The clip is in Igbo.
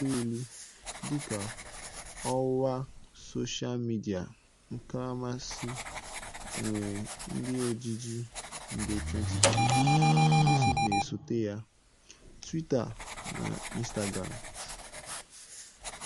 Facebook nọgidere na-elu elu dị ka ọwa soshaa midịa nkaramasị nwere ndị ojiji nde 22, YouTube na-esote ya (nde 7+), Twitter (nde 6) na Instagram (nde 5.7).